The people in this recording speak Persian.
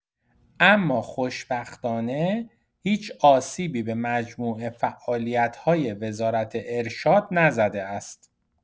اما خوشبختانه هیچ آسیبی به مجموعه فعالیت‌های وزارت ارشاد نزده است.